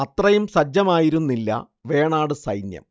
അത്രയും സജ്ജമായിരുന്നില്ല വേണാട് സൈന്യം